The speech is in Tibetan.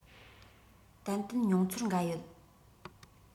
ཏན ཏན མྱོང ཚོར འགའ ཡོད